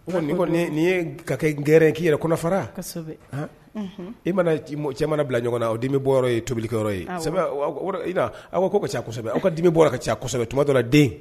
O kɔni nini ye ka kɛ gɛrɛrɛn k'i yɛrɛ farara i mana cɛ mana bila ɲɔgɔn na o dimi bɔ ye tobili ye aw ka casɛbɛ aw ka dimi bɔ kasɛbɛ tuma dɔ den